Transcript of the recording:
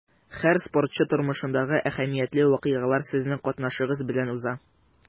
Һәр спортчы тормышындагы әһәмиятле вакыйгалар сезнең катнашыгыз белән уза.